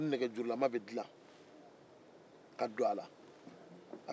o nɛgɛjurulama bɛ dila ka don a la